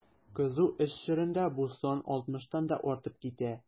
Кызу эш чорында бу сан 60 тан да артып китә.